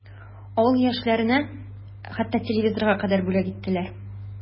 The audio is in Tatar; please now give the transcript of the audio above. Авыл яшьләре хәтта телевизорга кадәр бүләк иттеләр.